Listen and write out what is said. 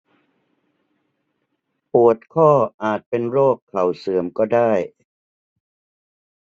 ปวดข้ออาจเป็นโรคเข่าเสื่อมก็ได้